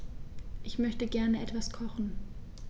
Ich möchte gerne etwas kochen.